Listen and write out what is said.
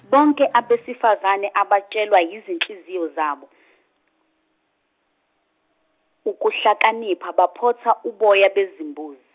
bonke abesifazane abatshelwa yizinhliziyo zabo, ukuhlakanipha baphotha uboya bezimbuzi.